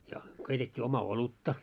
ja keitettiin oma olutta